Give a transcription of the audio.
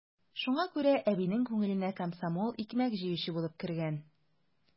Шуңа күрә әбинең күңеленә комсомол икмәк җыючы булып кергән.